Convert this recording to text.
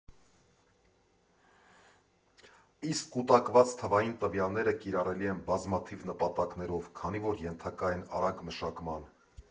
Իսկ կուտակված թվային տվյալները կիրառելի են բազմաթիվ նպատակներով, քանի որ ենթակա են արագ մշակման։